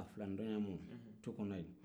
a filani tɔɲɔgɔn ma tu kɔnɔ yen